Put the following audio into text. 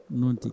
noon tigui